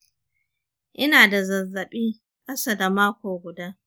ina da zazzaɓi ƙasa da mako guda.